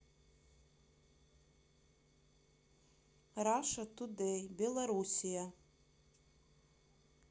раша тудей белоруссия